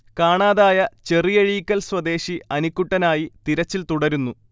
കാണാതായ ചെറിയഴീക്കൽ സ്വദേശി അനിക്കുട്ടനായി തിരച്ചിൽ തുടരുന്നു